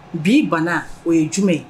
Bi bana o ye jumɛn ye